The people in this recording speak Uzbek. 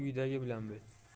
uydagi bilan bo'l